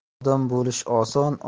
odam bo'lish oson